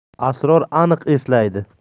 asror aniq eslaydi